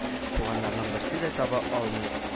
— туганнарның берсен дә таба алмый